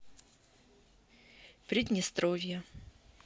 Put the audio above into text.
приднестровье